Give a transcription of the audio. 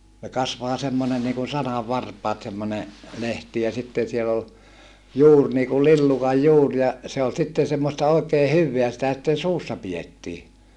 - kasvaa semmoinen niin kuin sananvarpaat semmoinen lehti ja sitten siellä oli juuri niin kuin lillukan juuri ja se oli sitten semmoista oikein hyvää sitä sitten suussa pidettiin